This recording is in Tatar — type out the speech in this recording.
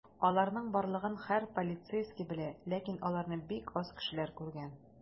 Аларның барлыгын һәр полицейский белә, ләкин аларны бик аз кешеләр күргән.